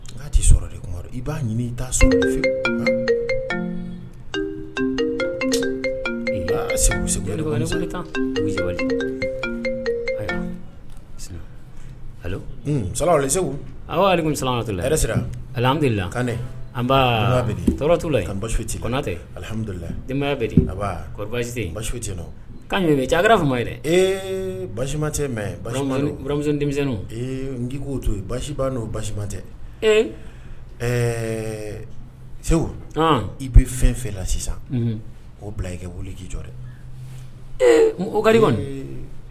Tɛ sɔrɔ de i b'a ɲini i' sɔrɔ segu sa segu la alidu la' tɔɔrɔ' la basisu tɛnatɛ alihamdulilarise basisu tɛ' ɲini cɛ fa yɛrɛ basi tɛ mɛ denmisɛnnin ee n'' don basiba n'o basi tɛ ɛɛ segu i bɛ fɛn fɛ la sisan o bila i kɛ wuli k'i jɔ dɛ o ka